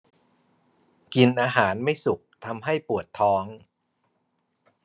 กินอาหารไม่สุกทำให้ปวดท้อง